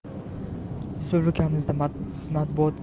respublikamizda matbuotga qaraganda radio va